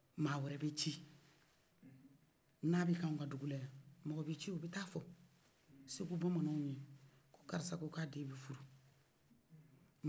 man wɛrɛ bɛ ci n'a bɛkɛ anw ka dugula mɔgɔ wɛrɛ bɛ ci o bɛ ta fo segu bamanan ye ko karisa ko ka den be furu